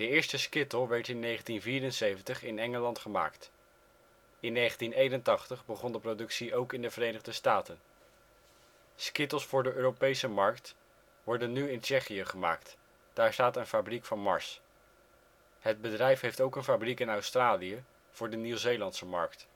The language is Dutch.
eerste Skittle werd in 1974 in Engeland gemaakt. In 1981 begon de productie ook in de Verenigde Staten. Skittles voor de Europese markt worden nu in Tsjechië gemaakt, daar staat een fabriek van Mars. Het bedrijf heeft ook een fabriek in Australië, voor de Nieuw-Zeelandse markt